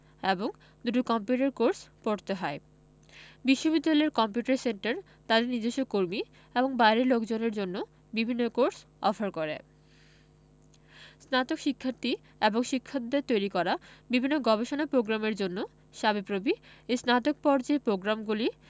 এবং দুটো computer course পড়তে হয় বিশ্ববিদ্যালয়ের কম্পিউটার সেন্টার তাদের নিজস্ব কর্মী এবং বাইরের লোকজনের জন্য বিভিন্ন কোর্স অফার করে স্নাতক শিক্ষার্থী এবং শিক্ষকদের তৈরি করা বিভিন্ন গবেষণা প্রোগ্রামের জন্য সাবিপ্রবি এর স্নাতক পর্যায়ের পগ্রামগুলি